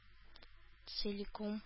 Целиком